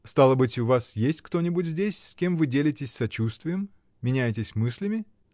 — Стало быть, у вас есть кто-нибудь здесь, с кем вы делитесь сочувствием, меняетесь мыслями?